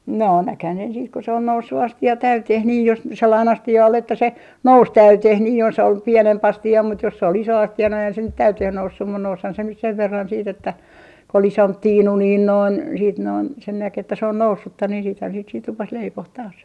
noo näkihän sen sitten kun se oli noussut astia täyteen niin jos sellainen astia oli että se nousi täyteen niin jos oli pienempi astia mutta jos se oli iso astia no eihän se täyteen noussut mutta nousihan se nyt sen verran sitten että kun oli isompi tiinu niin noin sitten noin sen näki että se on noussutta niin sittenhän siitä sitä rupesi leipomaan taas